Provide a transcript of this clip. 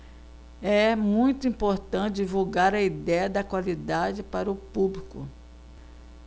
é muito importante divulgar a idéia da qualidade para o público